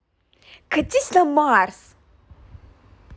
катись на марс